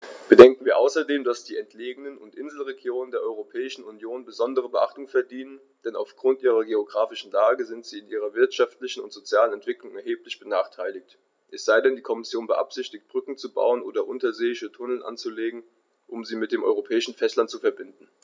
Bedenken wir außerdem, dass die entlegenen und Inselregionen der Europäischen Union besondere Beachtung verdienen, denn auf Grund ihrer geographischen Lage sind sie in ihrer wirtschaftlichen und sozialen Entwicklung erheblich benachteiligt - es sei denn, die Kommission beabsichtigt, Brücken zu bauen oder unterseeische Tunnel anzulegen, um sie mit dem europäischen Festland zu verbinden.